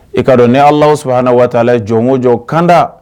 I ka don ni Alahu subahana watala ye jɔn o jɔn kanda